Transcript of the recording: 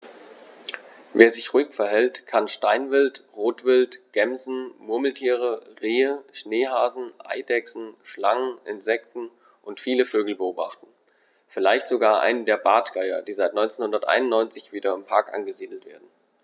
Wer sich ruhig verhält, kann Steinwild, Rotwild, Gämsen, Murmeltiere, Rehe, Schneehasen, Eidechsen, Schlangen, Insekten und viele Vögel beobachten, vielleicht sogar einen der Bartgeier, die seit 1991 wieder im Park angesiedelt werden.